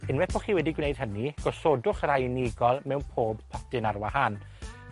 Unweth bo' chi wedi gwneud hynny, gosodwch y rai unigol mewn pob potyn ar wahân.